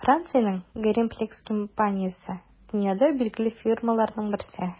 Франциянең Gorimpex компаниясе - дөньяда билгеле фирмаларның берсе.